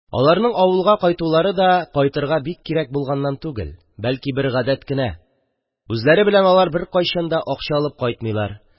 Аларның авылга кайтулары да кайтырга бик кирәк булганнан түгел, бәлки бер гадәт кенә; үзләре белән алар беркайчан да акча алып кайтмыйлар